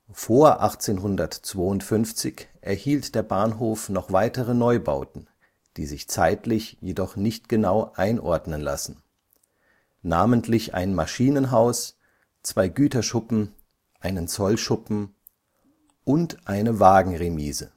Vor 1852 erhielt der Bahnhof noch weitere Neubauten, die sich zeitlich jedoch nicht genau einordnen lassen, namentlich ein Maschinenhaus, zwei Güterschuppen, einen Zollschuppen und eine Wagenremise